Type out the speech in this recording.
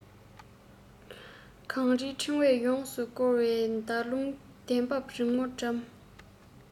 གངས རིའི འཕྲེང བས ཡོངས སུ བསྐོར བའི ཟླ ཀླུང དལ འབབ རིང མོས འགྲམ